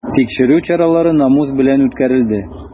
Тикшерү чаралары намус белән үткәрелде.